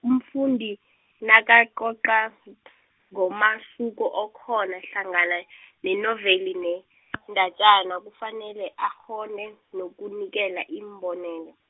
umfundi, nakacoca , ngomahluko okhona hlangana , nenovela nendatjana kufanele akghone, nokunikela iimbonelo.